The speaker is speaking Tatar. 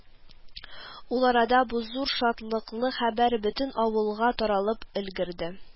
Ул арада бу зур шатлыклы хәбәр бөтен авылга таралып өлгерде